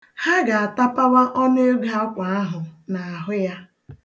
Ha ga-atapawa ọnụego akwa ahụ n'ahụ ya.